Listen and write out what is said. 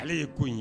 Ala ye ko ye